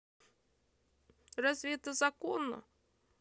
разве это законно